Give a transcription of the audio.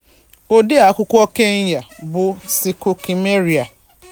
Odee akwụkwọ Kenya bụ Ciku Kimeria kọwara ihe ihere dị n'ibi ndụ n'enweghị ụrụ paspọtụ.